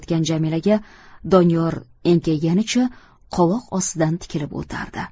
jamilaga doniyor enkayganicha qovoq ostidan tikilib o'tardi